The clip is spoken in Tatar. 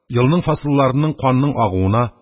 Елның фасылларының канның агуына,